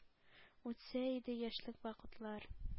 Үтсә иде яшьлек вакытлар.